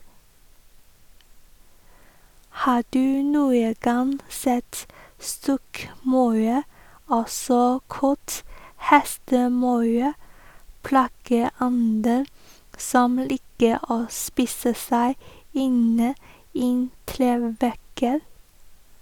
Har du noen gang sett stokkmaur, også kalt hestemaur, plageånden som liker å spise seg inn i treverket?